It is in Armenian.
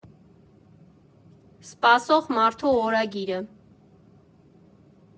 Սպասող մարդու օրագիրը։